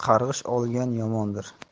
qarg'ish olgan yomondir